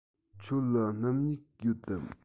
ཁྱོད ལ སྣུམ སྨྱུག ཡོད དམ